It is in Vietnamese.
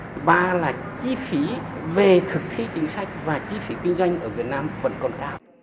ba là chi phí về thực thi chính sách và chi phí kinh doanh ở việt nam vẫn còn cao